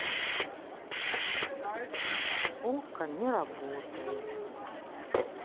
okko не работает